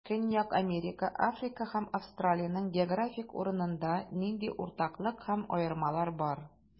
Көньяк Америка, Африка һәм Австралиянең географик урынында нинди уртаклык һәм аермалар бар?